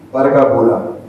Barika b'o la